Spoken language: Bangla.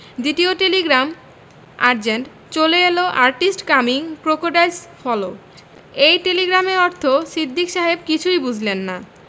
দ্বিতীয় টেলিগ্রাম আজেন্ট চলে এল আর্টিস্ট কামিং ক্রোকোডাইলস ফলো এই টেলিগ্রামের অর্থ সিদ্দিক সাহেব কিছুই বুঝলেন না